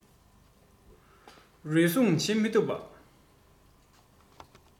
རུལ སུངས བྱེད མི ཐུབ པ